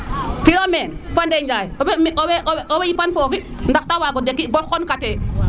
Philomene fo Ndeye Ndiaye o we we we yipan foofi ndax ta waago deki bo xon kate